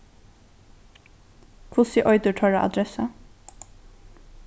hvussu eitur teirra adressa